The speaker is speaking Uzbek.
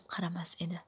qaramas edi